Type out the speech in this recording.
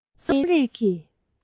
ཁྱོད ཉིད རྩོམ རིག གི